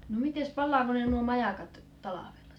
no mitenkäs palaako ne nuo majakat talvella